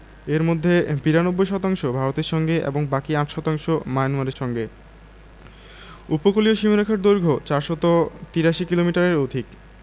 এর মধ্যে ৯২ শতাংশ ভারতের সঙ্গে এবং বাকি ৮ শতাংশ মায়ানমারের সঙ্গে উপকূলীয় সীমারেখার দৈর্ঘ্য ৪৮৩ কিলোমিটারের অধিক